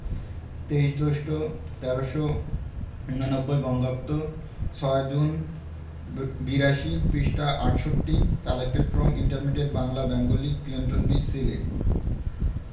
২৩ জ্যৈষ্ঠ ১৩৮৯ বঙ্গাব্দ ৬ জুন৮২ পৃষ্ঠাঃ ৬৮ collected from intermediate Bangla Bengali Clinton B Seely